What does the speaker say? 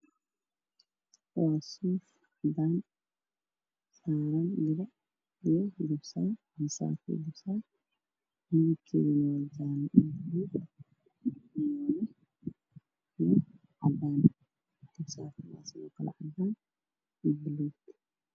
Dukaan kaan gudihiisa waxaa yaalo raashin but, bariis